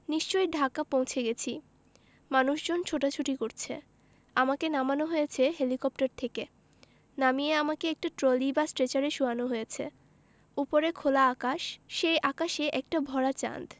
নিশ্চয়ই ঢাকা পৌঁছে গেছি মানুষজন ছোটাছুটি করছে আমাকে নামানো হয়েছে হেলিকপ্টার থেকে নামিয়ে আমাকে একটা ট্রলি বা স্ট্রেচারে শোয়ানো হয়েছে ওপরে খোলা আকাশ সেই আকাশে একটা ভরা চাঁদ